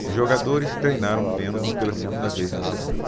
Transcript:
os jogadores treinaram pênaltis pela segunda vez na semana